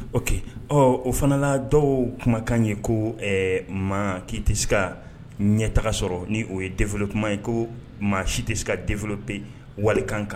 Ɔ ɔ o fana la dɔw kumakan ye ko maa k'i tɛ se ka ɲɛ taga sɔrɔ ni o ye deorolo kuma ye ko maa si tɛ se ka den bɛ wali kan kan